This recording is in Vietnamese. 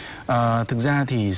ờ thực ra thì